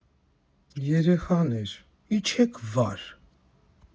Երեխաներ, իջեք վար։